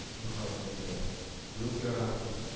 — ди хатыны әйтә. — юк, ярамый